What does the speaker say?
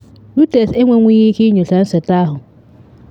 Reuters enwenwughi ike inyocha nseta ahụ.